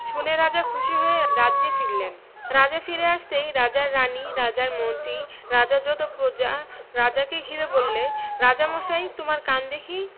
শুনে রাজা খুশি হয়ে রাজ্যে ফিরলেন রাজা ফিরে আসতেই রাজার রানী রাজার মন্ত্রী রাজার যত প্রজা রাজাকে ঘিরে বললে রাজামশাই তোমার কান দেখি